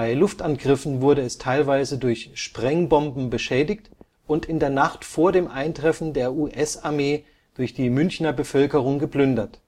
Luftangriffen wurde es teilweise durch Sprengbomben beschädigt und in der Nacht vor dem Eintreffen der US-Armee durch die Münchner Bevölkerung geplündert